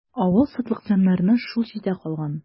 Авыл сатлыкҗаннарына шул җитә калган.